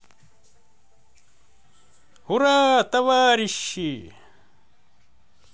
ура товарищи